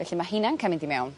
felly ma' heina'n ca' mynd i mewn.